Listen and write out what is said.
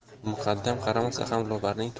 muqaddam qaramasa ham